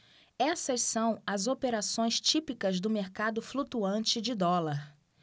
essas são as operações típicas do mercado flutuante de dólar